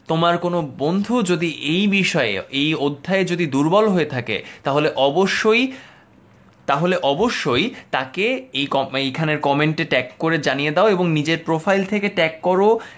তোমার কোন বন্ধু যদি এই বিষয়ে এই অধ্যায় যদি দুর্বল হয়ে থাকে তাহলে অবশ্যই তাহলে অবশ্যই তাকে এইখানের কমেন্টে ট্যাগ করে জানিয়ে দাও এবং নিজের প্রোফাইল থেকে ট্যাগ কর